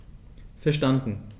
Verstanden.